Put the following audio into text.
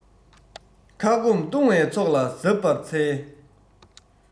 ཁ སྐོམ བཏུང བའི ཚོགས ལ གཟབ པར འཚལ